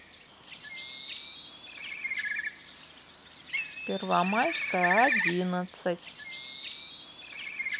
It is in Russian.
первомайская одиннадцать